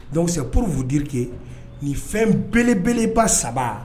Donc c'est pour vous dire que nin fɛn belebeleba saba